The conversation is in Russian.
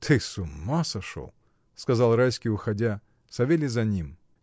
— Ты с ума сошел, — сказал Райский, уходя. Савелий за ним.